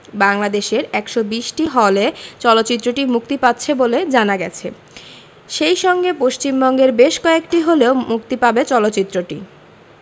বাংলাদেশের ১২০টি হলে চলচ্চিত্রটি মুক্তি পাচ্ছে বলে জানা গেছে সেই সঙ্গে পশ্চিমবঙ্গের বেশ কয়েকটি হলেও মুক্তি পাবে চলচ্চিত্রটি